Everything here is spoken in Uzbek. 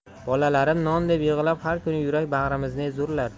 bolalarim non deb yig'lab har kuni yurak bag'rimizni ezurlar